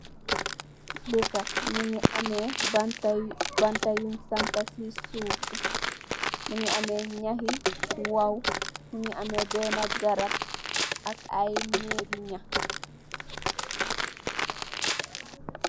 Dekka, mu ngi amee banta yuñg sampa si suuf, muñgi amee ñax yu wow, mu ngi amee garab, ak ay nëëk gi ñax.